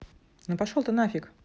ну пошел ты нафиг